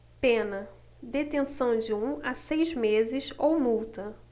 pena detenção de um a seis meses ou multa